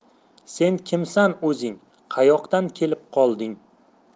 sen kimsan o'zing qayoqdan kelib qolding